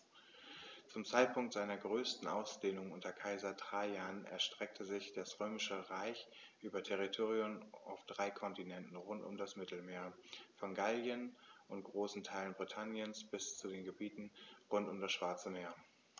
Zum Zeitpunkt seiner größten Ausdehnung unter Kaiser Trajan erstreckte sich das Römische Reich über Territorien auf drei Kontinenten rund um das Mittelmeer: Von Gallien und großen Teilen Britanniens bis zu den Gebieten rund um das Schwarze Meer.